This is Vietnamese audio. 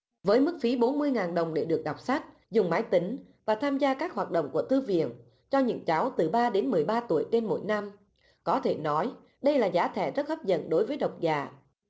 với mức phí bốn mươi ngàn đồng để được đọc sách dùng máy tính và tham gia các hoạt động của thư viện cho những cháu từ ba đến mười ba tuổi trên mỗi năm có thể nói đây là giá thẻ rất hấp dẫn đối với độc giả